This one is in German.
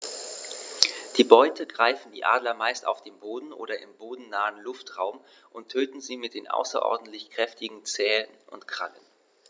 Die Beute greifen die Adler meist auf dem Boden oder im bodennahen Luftraum und töten sie mit den außerordentlich kräftigen Zehen und Krallen.